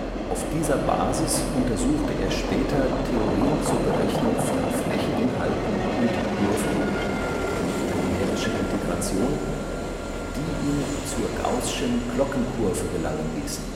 Auf dieser Basis untersuchte er später Theorien zur Berechnung von Flächeninhalten unter Kurven (numerische Integration), die ihn zur gaußschen Glockenkurve gelangen ließen